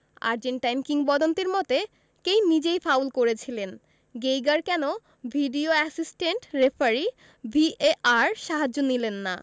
Argentine কিংবদন্তির মতে Kane নিজেই ফাউল করেছিলেন গেইগার কেন ভিডিও অ্যাসিস্ট্যান্ট রেফারি ভিএআর সাহায্য নিলেন না